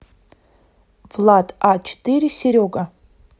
влад а четыре серега